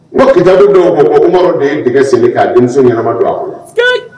Ŋo kitabu dɔw ko ko Umaru de ye diŋɛ senni k'a denmuso ɲɛnama don a kɔnɔ sikeeyi